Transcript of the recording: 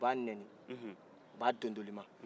u b'a nenin u b'a dondolima